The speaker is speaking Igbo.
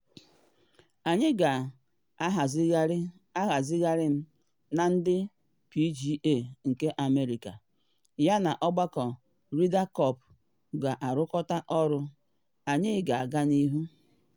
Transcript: Anyị ga-ahazigharị, m na ndị PGA nke America yana Ọgbakọ Ryder Cup ga-arụkọta ọrụ, anyị ga-aga n’ihu.